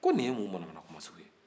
ko nin ye mun mana mana kuma sugu ye